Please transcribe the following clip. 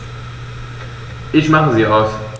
Ich mache sie aus.